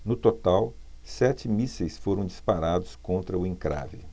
no total sete mísseis foram disparados contra o encrave